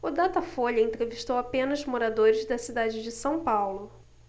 o datafolha entrevistou apenas moradores da cidade de são paulo